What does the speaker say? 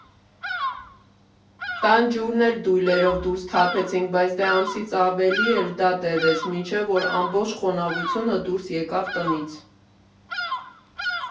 Տան ջուրն էլ դույլերով դուրս թափեցինք, բայց դե ամսից ավելի էլ դա տևեց, մինչև որ ամբողջ խոնավությունը դուրս եկավ տնից։